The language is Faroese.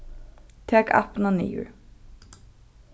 tak appina niður